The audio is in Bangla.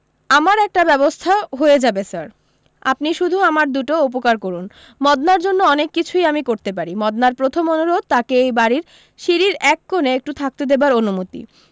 আমার একটা ব্যবস্থা হয়ে যাবে স্যার আপনি শুধু আমার দুটো উপকার করুণ মদনার জন্য অনেক কিছুই আমি করতে পারি মদনার প্রথম অনুরোধ তাকে এ বাড়ীর সিঁড়ির এক কোনে একটু থাকতে দেবার অনুমতি